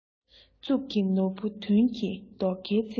གཙུག གི ནོར བུ དོན གྱི རྡོ ཁའི ཚིག